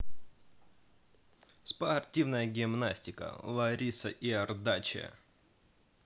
спортивная гимнастика лариса иордаче